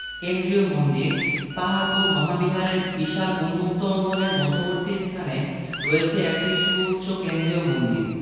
কেন্দ্রীয় মন্দির পাহাড়পুর মহাবিহারের বিশাল উন্মুক্ত অঙ্গনের মধ্যবর্তী স্থানে রয়েছে একটি সুউচ্চ কেন্দ্রীয় মন্দির